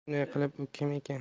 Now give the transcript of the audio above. shunday qilib u kim ekan